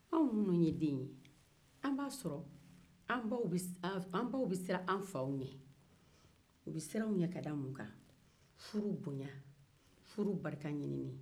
anw minnu ye den ye an b'a sɔrɔ an baw bɛ siran an faw ɲɛ u bɛ siran u ɲɛ ka da mun kan furu bonya furu barika ɲininni